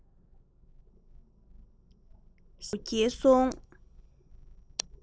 ས རུ འགྱེལ སོང